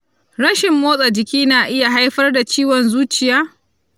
rashin motsa jiki na iya haifar da ciwon zuciya?